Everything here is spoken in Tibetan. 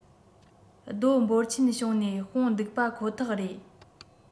རྡོ འབོར ཆེན བྱུང ནས སྤུངས འདུག པ ཁོ ཐག རེད